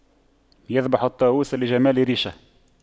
يذبح الطاووس لجمال ريشه